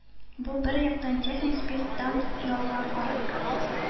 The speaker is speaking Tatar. Бу бер яктан техник спирттан ялган аракы